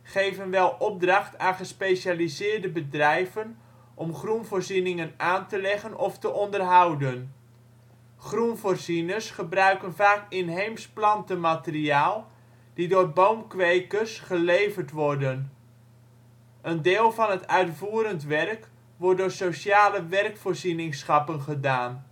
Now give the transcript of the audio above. geven wel opdracht aan gespecialiseerde bedrijven om groenvoorzieningen aan te leggen of te onderhouden. Groenvoorzieners gebruiken vaak inheems plantmateriaal die door boomkwekers geleverd worden. Een deel van het uitvoerend werk wordt door sociale werkvoorzieningschappen gedaan